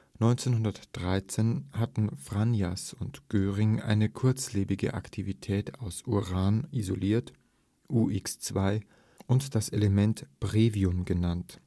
1913 hatten Fajans und Göhring eine kurzlebige Aktivität aus Uran isoliert (UX2) und das Element Brevium genannt